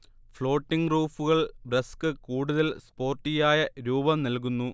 floating റൂഫുകൾ ബ്രെസ്ക്ക് കൂടുതൽ സ്പോർട്ടിയായ രൂപം നൽകുന്നു